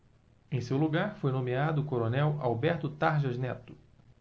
em seu lugar foi nomeado o coronel alberto tarjas neto